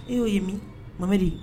E y'o ye min mama de ye